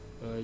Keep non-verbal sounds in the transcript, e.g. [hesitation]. [hesitation] [hesitation]